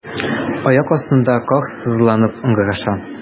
Аяк астында кар сызланып ыңгыраша.